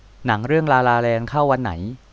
หนังเรื่องลาลาแลนด์เข้าวันไหน